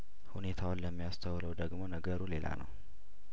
ሁኔታውን ለሚያስ ተውለው ደግሞ ነገሩ ሌላ ነው